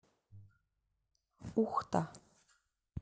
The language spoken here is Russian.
ухта